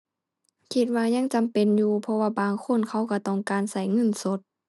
คิดว่ายังจำเป็นอยู่ เพราะว่าบางคนเขาก็ต้องการก็เงินสด